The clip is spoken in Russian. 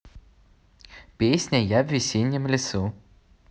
песня я в весеннем лесу